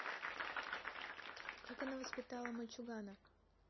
как она воспитала мальчугана